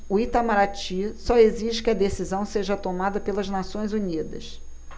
o itamaraty só exige que a decisão seja tomada pelas nações unidas